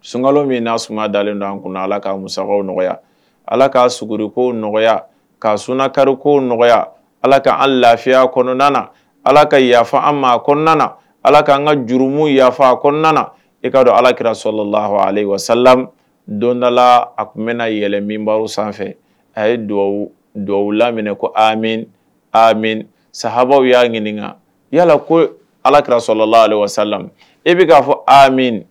Sunkalo min'a su dalen don an kunna ala ka mu nɔgɔya ala ka sri ko nɔgɔya ka sunkako nɔgɔya ala'an lafiya kɔnɔna ala ka yafafa an ma kɔnɔna ala kaan ka jurumu yafafa a kɔnɔna e kaa don alakira sɔrɔ lawa ala wa sa dondala a tun bɛ yɛlɛ minba sanfɛ a yewa la minɛ ko a a sa y'a ɲininkaka yala ko alakira sɔrɔla ale sami e bɛ k'a fɔ a min